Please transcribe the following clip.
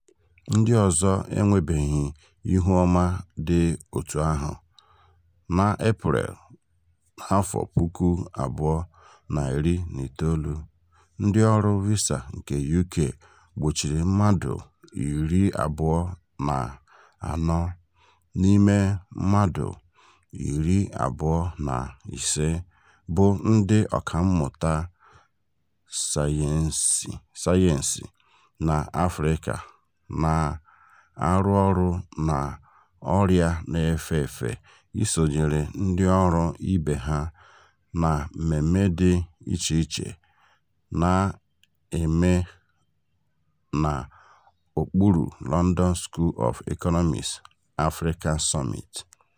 Ndị ọzọ enwebeghị ihu ọma dị otú ahụ. Na Eprel 2019, ndị ọrụ visa nke UK gbochiri mmadụ 24 n'ime mmadụ 25 bụ ndị ọkàmmụta sayensị n' Afrịka na-arụ ọrụ n'ọrịa na-efe efe isonyere ndịọrụ ibe ha na mmemme dị icheiche na-eme n'okpuru London School of Economics Africa Summit.